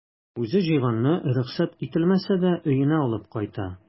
Үзе җыйганны рөхсәт ителмәсә дә өенә алып кайта.